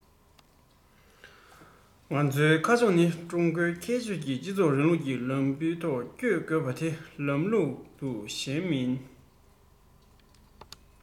ང ཚོའི ཁ ཕྱོགས ནི ཀྲུང གོའི ཁྱད ཆོས ཀྱི སྤྱི ཚོགས རིང ལུགས ཀྱི ལམ བུའི ཐོག བསྐྱོད དགོས པ དེ ལས ལམ བུ གཞན མིན